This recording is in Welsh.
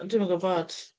Dwi'm yn gwbod.